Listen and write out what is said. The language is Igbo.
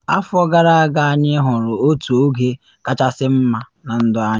“Afọ gara aga anyị hụrụ otu oge kachasị mma na ndụ anyị.